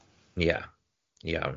Ie iawn.